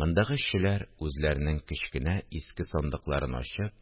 Мондагы эшчеләр, үзләренең кечкенә иске сандыкларын ачып,